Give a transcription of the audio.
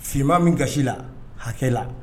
Fima min gasi la hakɛ la